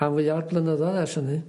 rhan fwya o'r blynyddodd ers hynny.